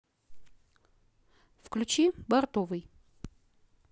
включи бордовый